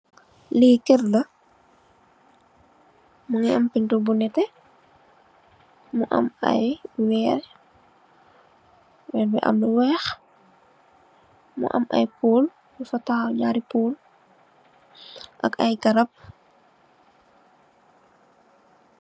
Li kerr la mugi amm bunta bu nehteh mu amm ai werr, werr bu amm lu wheh mu amm ai pole, nyung fa tawal nyari pole ak ai garap.